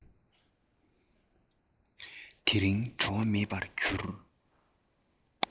དེ རིང བྲོ བ མེད པར འགྱུར